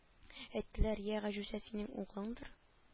Әйттеләр йә гаҗүзә синең углыңдыр